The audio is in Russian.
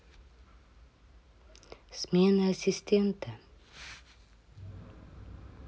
смена ассистента